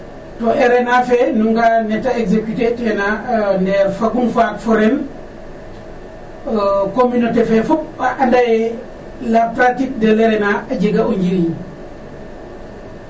To RNA fe nu nga'aa nee ta executer ten a ndeer fagun faak fo ren communauté fe fop a anda ye la pratique de RNA a jega o njiriñ.